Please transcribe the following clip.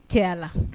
Cɛala